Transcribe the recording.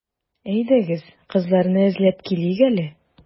Әйдәгез, кызларны эзләп килик әле.